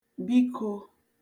bikō